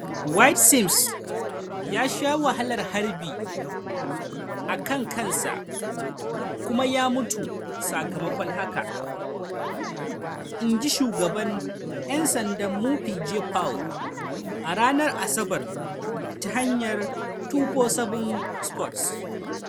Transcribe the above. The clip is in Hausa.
"Wayde Sims ya sha wahalar harbi a kan kansa kuma ya mutu sakamakon haka," in ji shugaban 'yan sandan Murphy J. Paul a ranar Asabar, ta hanyar 247sports.